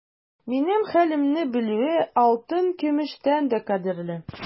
Минем хәлемне белүе алтын-көмештән дә кадерле.